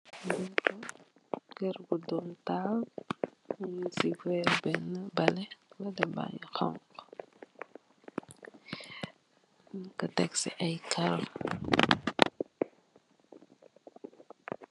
Keur bu doomitaal nyun fa def bena balee bale bangi xonxu nyu ko tek si ay karo.